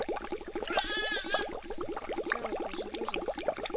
начало ты же выжил солдат